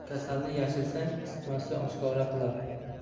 kasalni yashirsang isitmasi oshkora qilar